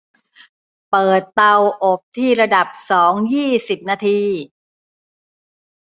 เปิดเตาอบที่ระดับสองยี่สิบนาที